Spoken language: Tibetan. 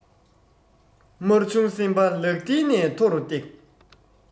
དམར ཆུང སེམས པ ལག མཐིལ ནས མཐོ རུ བཏེགས